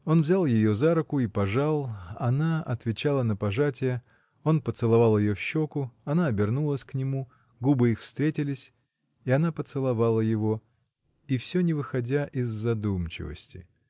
Он взял ее за руку и пожал: она отвечала на пожатие, он поцеловал ее в щеку, она обернулась к нему, губы их встретились, и она поцеловала его — и всё не выходя из задумчивости.